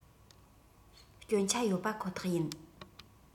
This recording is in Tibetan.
སྐྱོན ཆ ཡོད པ ཁོ ཐག ཡིན